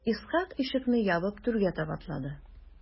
Исхак ишекне ябып түргә таба атлады.